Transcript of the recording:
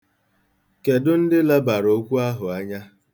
Kedụ ndị lebara okwu ahụ anya?